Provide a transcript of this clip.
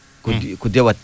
ko di ko diwat